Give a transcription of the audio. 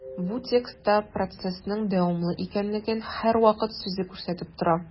Бу текстта процессның дәвамлы икәнлеген «һәрвакыт» сүзе күрсәтеп тора.